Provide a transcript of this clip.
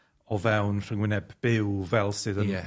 o fewn rhyngwyneb byw fel sydd yn... Ie.